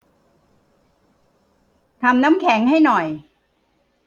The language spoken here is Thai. ทำน้ำแข็งให้หน่อย